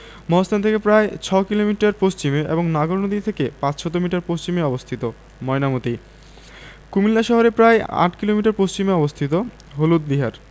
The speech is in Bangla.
মহাস্থান থেকে প্রায় ৬ কিলোমিটার পশ্চিমে এবং নাগর নদী থেকে ৫০০ মিটার পশ্চিমে অবস্থিত ময়নামতি কুমিল্লা শহরের প্রায় ৮ কিলোমিটার পশ্চিমে অবস্থিত হলুদ বিহার